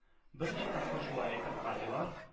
– берничә тапкыр шулай әйтеп карыйлар